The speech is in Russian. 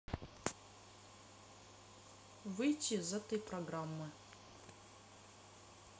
выйти из этой программы